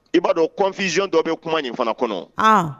I b'a dɔn kɔnfizy dɔ bɛ kuma nin fana kɔnɔ